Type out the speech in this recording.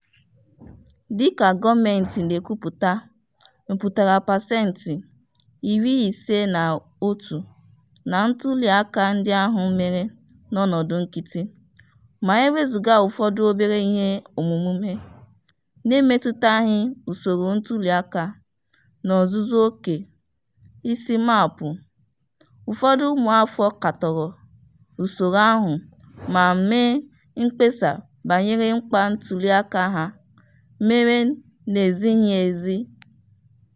Dịka gọọmentị na-ekwupụta mpụtara pasenti 51 na ntuliaka ndị ahụ mere n'ọnọdụ nkịtị, ma e wezụga ụfọdụ obere ihe omume n'emetụtaghị usoro ntuliaka n'ozuzu oke" (isi: MAP), ụfọdụ ụmụafọ katọrọ usoro ahụ ma mee mkpesa banyere mkpa ntuliaka ha mere n'ezighi ezi.